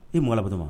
I mɔ la